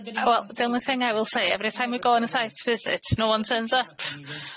Well the only thing I will say every time we go on a site visit no one turns up.